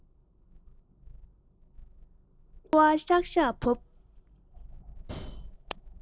ཆར བ ཤག ཤག འབབ